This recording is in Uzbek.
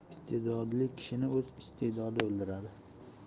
istedodli kishini o'z istedodi o'ldiradi